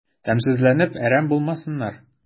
Тәмсезләнеп әрәм булмасыннар...